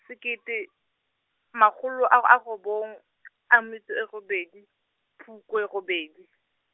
sekete, makgolo a r- a robong , a metso e robedi, Phukwe robedi.